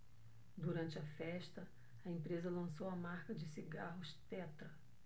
durante a festa a empresa lançou a marca de cigarros tetra